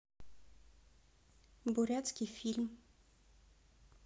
бурятский фильм